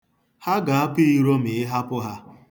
Ha ga-apụ iro ma ị hapụ ha.